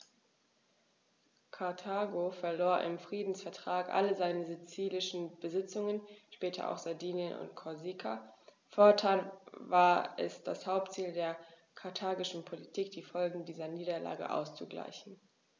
Karthago verlor im Friedensvertrag alle seine sizilischen Besitzungen (später auch Sardinien und Korsika); fortan war es das Hauptziel der karthagischen Politik, die Folgen dieser Niederlage auszugleichen.